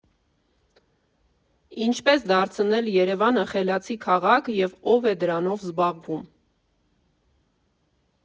Ինչպե՞ս դարձնել Երևանը խելացի քաղաք և ո՞վ է դրանով զբաղվում։